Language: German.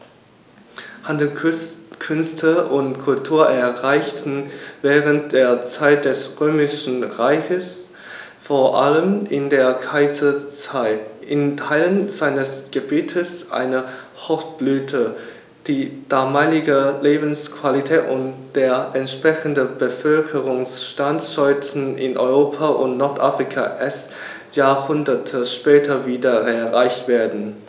Handel, Künste und Kultur erreichten während der Zeit des Römischen Reiches, vor allem in der Kaiserzeit, in Teilen seines Gebietes eine Hochblüte, die damalige Lebensqualität und der entsprechende Bevölkerungsstand sollten in Europa und Nordafrika erst Jahrhunderte später wieder erreicht werden.